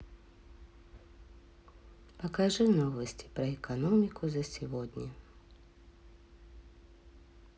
покажи новости про экономику за сегодня